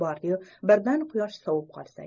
bordi yu birdan quyosh sovib qolsa